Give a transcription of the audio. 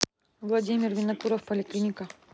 владимир винокуров поликлиника